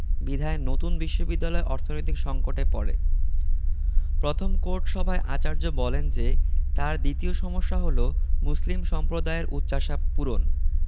বিধায় নতুন বিশ্ববিদ্যালয় অর্থনৈতিক সংকটে পড়ে প্রথম কোর্ট সভায় আচার্য বলেন যে তাঁর দ্বিতীয় সমস্যা হলো মুসলিম সম্প্রদায়ের উচ্চাশা পূরণ